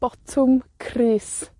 Botwm Crys.